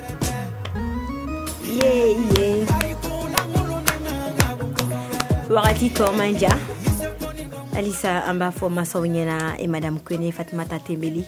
Wagati tɔ man jan, halisa an b'a fɔ mansaw ɲɛna ee madame Kone fatumata Tɛnbeli